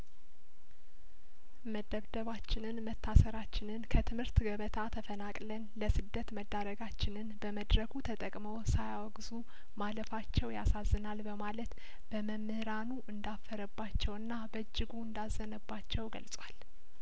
መደብደባችንን መታሰራችንን ከትምህርት ገበታ ተፈናቅለን ለስደት መዳረጋችንን በመድረኩ ተጠቅመው ሳያወግዙ ማለፋቸው ያሳዝናል በማለት በመምህራኑ እንዳፈረ ባቸውና በእጅጉ እንዳዘነባቸው ገልጿል